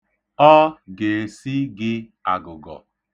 Ọ ga-esi gị agụgọ.